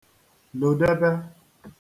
lòdebe